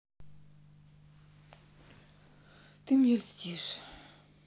ты мне льстишь